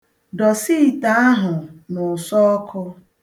Dọsa ite ahụ n'ụsọọkụ.